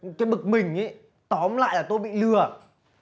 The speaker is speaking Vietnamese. tôi bực mình ý tóm lại tôi bị lừa